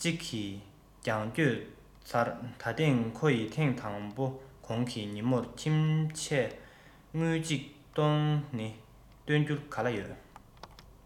གཅིག གི རྒྱང བསྐྱོད ཚར ད ཐེངས ཁོ ཡི ཐེངས དང པོ གོང གི ཉིན མོར ཁྱིམ ཆས དངུལ ཆིག སྟོང ནི སྟོན རྒྱུ ག ལ ཡོད